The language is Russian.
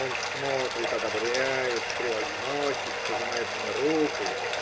он смотрит, одобряет, превозносит, пожимает мне руку.